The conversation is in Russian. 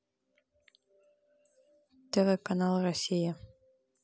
тв канал россия